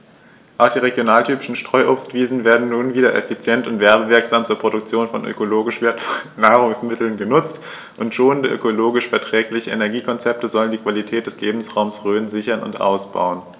Auch die regionaltypischen Streuobstwiesen werden nun wieder effizient und werbewirksam zur Produktion von ökologisch wertvollen Nahrungsmitteln genutzt, und schonende, ökologisch verträgliche Energiekonzepte sollen die Qualität des Lebensraumes Rhön sichern und ausbauen.